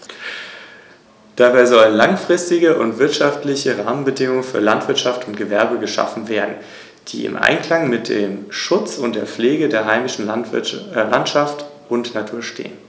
Das Fell der Igel ist meist in unauffälligen Braun- oder Grautönen gehalten.